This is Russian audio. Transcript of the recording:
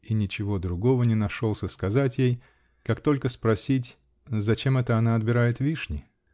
И ничего другого не нашелся сказать ей, как только спросить: зачем это она отбирает вишни?